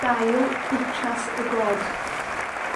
Dail Bwtsias y Gog.